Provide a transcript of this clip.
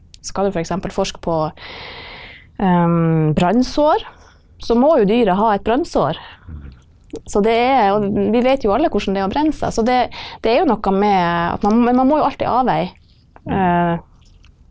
skal du f.eks. forske på brannsår så må jo dyret ha et brannsår, så det er og vi veit jo alle hvordan det er å brenne seg, så det det er jo noe med at man men man må jo alltid avveie .